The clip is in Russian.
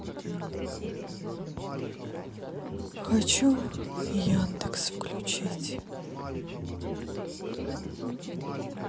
хочу яндекс включить